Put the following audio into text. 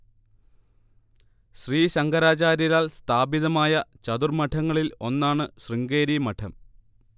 ശ്രീശങ്കരാചാര്യരാൽ സ്ഥാപിതമായ ചതുർമ്മഠങ്ങളിൽ ഒന്നാണു ശൃംഗേരി മഠം